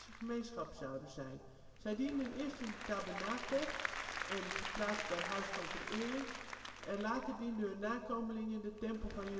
gemeenschap zouden zijn. Zij dienden eerst in de Tabernakel (een verplaatsbaar huis van verering), en later dienden hun nakomelingen in de Tempel van Jeruzalem